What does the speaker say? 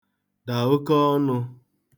dà oke ọnụ̄